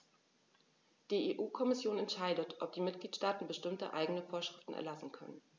Die EU-Kommission entscheidet, ob die Mitgliedstaaten bestimmte eigene Vorschriften erlassen können.